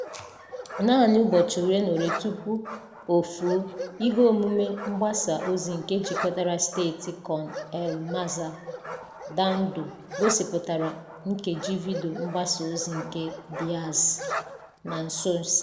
Naanị ụbọchị ole na ole tupu o fuo, ihe omume mgbasa ozi nke jikọrọ steeti Con el Mazo Dando gosipụtara nkeji vidiyo mgbasa ozi nke Diaz na nso nso a.